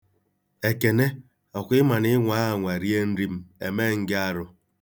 Ekene, ọ kwa ị ma na ị nwaa anwa rie nri, emee m gị arụ.